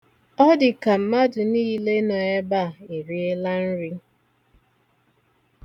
Ọdịka mmadụ niile nọ ebe a eriela nri.